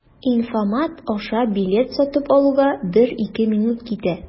Инфомат аша билет сатып алуга 1-2 минут китә.